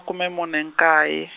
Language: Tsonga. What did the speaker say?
kume mune nkaye.